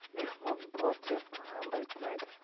mehmon bor ham demaydi